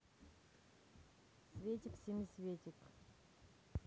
цветик семицветик